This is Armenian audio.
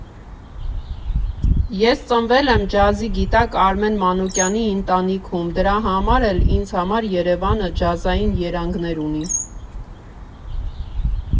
Ես ծնվել եմ ջազի գիտակ Արմեն Մանուկյանի ընտանիքում, դրա համար էլ ինձ համար Երևանը ջազային երանգներ ունի։